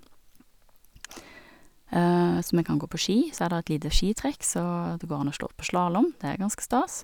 Så vi kan gå på ski, så er der et lite skitrekk, så det går an å slå på slalåm, det er ganske stas.